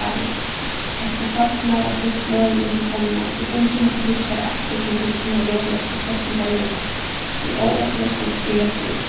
dalin eftir sóttina varð flutt norður um ánna tí eingin mátti byggja har aftur sum bygdin hevði verið og sóttin herjað tí óeydna skuldi spyrjast úr